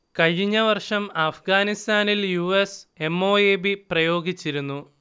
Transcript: കഴിഞ്ഞ വർഷം അഫ്ഗാനിസ്ഥാനിൽ U. S. M. O. A. B. പ്രയോഗിച്ചിരുന്നു